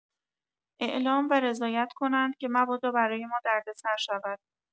اعلام و رضایت کنند که مبادا برای ما دردسر شود.